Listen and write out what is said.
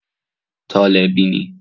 طالع‌بینی